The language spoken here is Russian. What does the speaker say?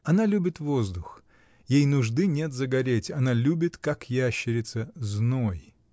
Она любит воздух; ей нужды нет загореть: она любит, как ящерица, зной.